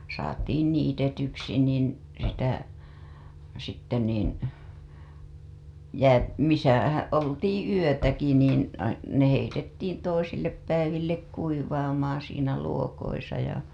saatiin niitetyksi niin sitä sitten niin - missä oltiin yötäkin niin ne heitettiin toisille päiville kuivaamaan siinä luokoissa ja